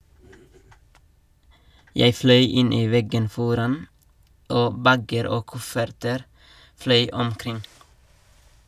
Jeg fløy inn i veggen foran, og bager og kofferter fløy omkring.